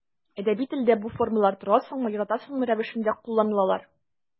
Әдәби телдә бу формалар торасыңмы, яратасыңмы рәвешендә кулланылалар.